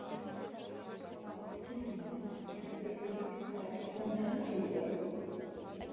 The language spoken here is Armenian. Հարցնում եմ՝ իսկ ֆեյս֊քընթրոլի հարցը ո՞նց եք լուծում։